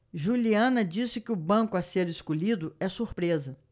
juliana disse que o banco a ser escolhido é surpresa